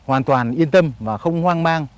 hoàn toàn yên tâm và không hoang mang